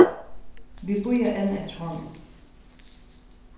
vit bíða enn eftir honum